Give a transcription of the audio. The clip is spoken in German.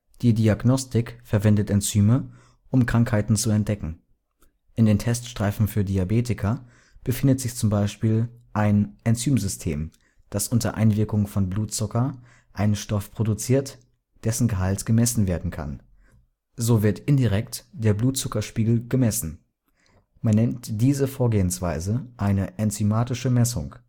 Die Diagnostik verwendet Enzyme, um Krankheiten zu entdecken. In den Teststreifen für Diabetiker befindet sich zum Beispiel ein Enzymsystem, das unter Einwirkung von Blutzucker einen Stoff produziert, dessen Gehalt gemessen werden kann. So wird indirekt der Blutzuckerspiegel gemessen. Man nennt diese Vorgehensweise eine „ enzymatische Messung